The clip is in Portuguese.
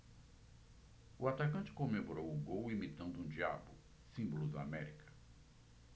o atacante comemorou o gol imitando um diabo símbolo do américa